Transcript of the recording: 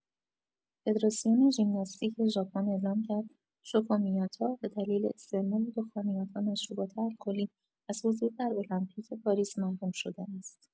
فدراسیون ژیمناستیک ژاپن اعلام کرد شوکو میاتا به دلیل استعمال دخانیات و مشروبات الکلی از حضور در المپیک پاریس محروم شده است.